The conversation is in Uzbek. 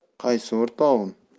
qaysi o'rtog'im